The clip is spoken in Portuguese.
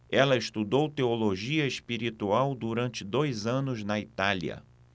ela estudou teologia espiritual durante dois anos na itália